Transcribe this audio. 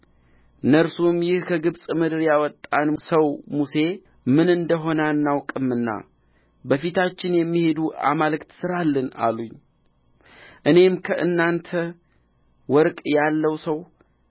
እነርሱም ይህ ከግብፅ ምድር ያወጣን ሰው ሙሴ ምን እንደ ሆነ አናውቅምና በፊታችን የሚሄዱ አማልክት ሥራልን አሉኝ እኔም ከእናንተ ወርቅ ያለው ሰው